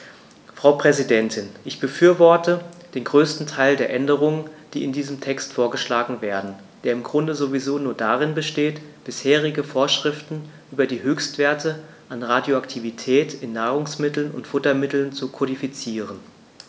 Frau Präsidentin, ich befürworte den größten Teil der Änderungen, die in diesem Text vorgeschlagen werden, der im Grunde sowieso nur darin besteht, bisherige Vorschriften über die Höchstwerte an Radioaktivität in Nahrungsmitteln und Futtermitteln zu kodifizieren.